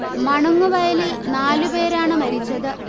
മണുങ്ങു വയലിൽ നാലു പേരാണ് മരിച്ചത്